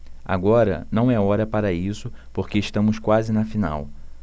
agora não é hora para isso porque estamos quase na final